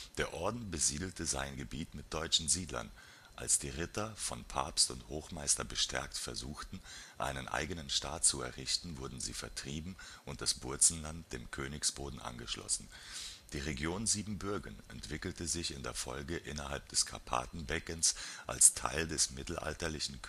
Der Orden besiedelte sein Gebiet mit deutschen Siedlern. Als die Ritter, von Papst und Hochmeister bestärkt, versuchten, einen eigenen Staat zu errichten, wurden sie vertrieben und das Burzenland dem Königsboden angeschlossen. Die Region Siebenbürgen entwickelte sich in der Folge innerhalb des Karpatenbeckens als Teil des mittelalterlichen